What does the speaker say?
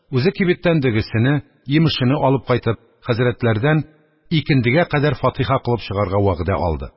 Үзе кибеттән дөгесене, йимешене алып кайтып, хәзрәтләрдән икендегә кадәр фатиха кылып чыгарга вәгъдә алды.